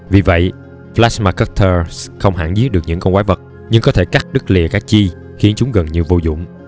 vì vậy plasma cutter không hẳn giết được những con quái vật nhưng có thể cắt đứt lìa các chi khiến chúng gần như vô dụng